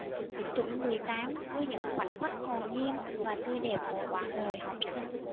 tuổi mười tám với những khoảnh khắc hồn nhiên và tươi đẹp của quãng đời học sinh